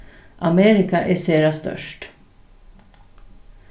amerika er sera stórt